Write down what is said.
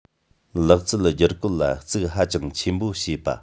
ལག རྩལ བསྒྱུར བཀོད ལ གཙིགས ཧ ཅང ཆེན པོ བྱེད པ